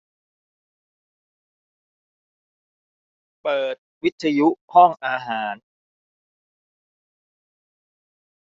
เปิดวิทยุห้องอาหาร